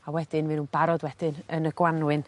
A wedyn m'e nw'n barod wedyn yn y Gwanwyn.